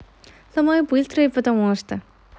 самая быстрая потому что